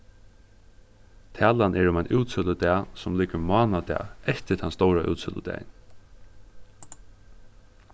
talan er um ein útsøludag sum liggur mánadag eftir tann stóra útsøludagin